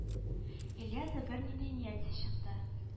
Ильяс бернинди ниятсез чыкты